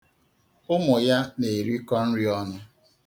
Ụmụ ya na-erikọ nri ọnụ.